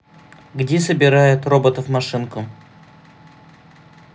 где собирают роботов машинку